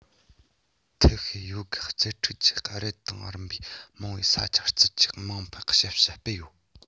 ཐབས ཤེས ཡོད རྒུ རྩལ སྤྲུགས ཀྱིས རབ དང རིམ པ མང བའི ས ཆར བརྩིས ཀྱི དམངས ཕན ཞབས ཞུ སྤེལ ཡོད